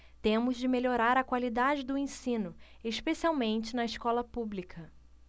temos de melhorar a qualidade do ensino especialmente na escola pública